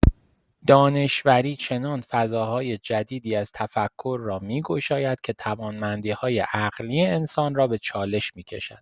دانشوری چنان فضاهای جدیدی از تفکر را می‌گشاید که توانمندی‌های عقلی انسان را به چالش می‌کشد.